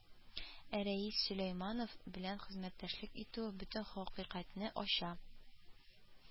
Ә Рәис Сөләйманов белән хезмәттәшлек итүе бөтен хакыйкатьне ача